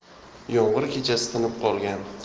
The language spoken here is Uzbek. yomg'ir kechasi tinib qolgan